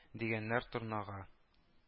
- дигәннәр торнага